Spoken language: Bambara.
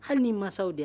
Hali ni mansaw de